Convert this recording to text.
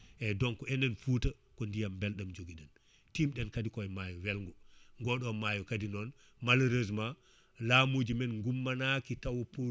eyyi donc enen Fouta ko ndiyam belɗam joguiɗen timɗen kadi koye maayo welgo goɗo maayo kadi noon malheureusement lamuji men gummanaki taw pour